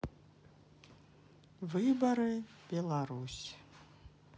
выборы беларусь